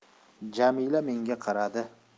jamila menga qaradi